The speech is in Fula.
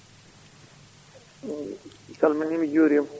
mi salmini mi juurima